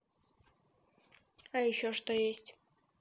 а еще что есть